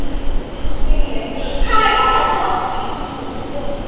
tám mươi nghìn anh mua được hai cốc trà sữa thôi đúng rồi